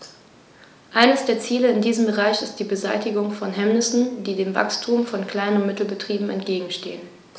Eines der Ziele in diesem Bereich ist die Beseitigung von Hemmnissen, die dem Wachstum von Klein- und Mittelbetrieben entgegenstehen.